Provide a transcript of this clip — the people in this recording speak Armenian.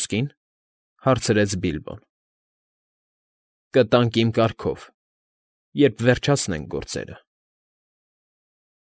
Ոսկի՞ն,֊ հարցրեց Բիլբոն։ ֊ Կտանք իմ կարգով, երբ վերջացնենք գործերը։